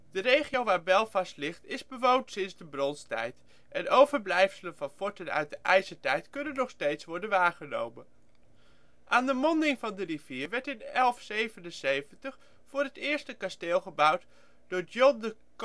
De regio waar Belfast ligt is bewoond sinds de bronstijd, en overblijfselen van forten uit de ijzertijd kunnen nog steeds worden waargenomen. Aan de monding van de rivier werd in 1177 voor het eerst een kasteel gebouwd door John de Courcy